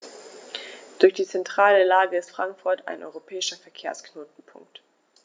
Durch die zentrale Lage ist Frankfurt ein europäischer Verkehrsknotenpunkt.